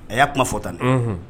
A y'a kuma fɔ tan